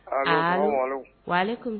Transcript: Wali